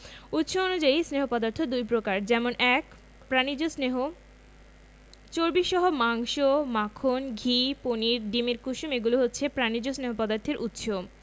উৎস অনুযায়ী স্নেহ পদার্থ দুই প্রকার যেমন ১. প্রাণিজ স্নেহ চর্বিসহ মাংস মাখন ঘি পনির ডিমের কুসুম এগুলো হচ্ছে প্রাণিজ স্নেহ পদার্থের উৎস